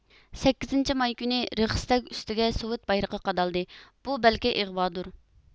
سەككىزىنچى ماي كۈنى رېخىستاگ ئۈستىگە سوۋېت بايرىقى قادالدى بۇ بەلكى ئىغۋادۇر